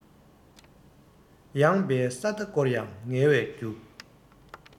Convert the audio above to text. ཡངས པའི ས མཐའ བསྐོར ཡང ངལ བའི རྒྱུ